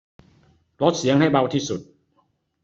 ลดเสียงให้เบาที่สุด